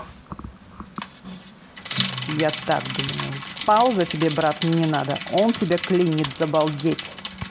я так думаю пауза тебе брат не надо он тебя клинит забалдеть